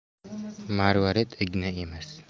marvarid igna emas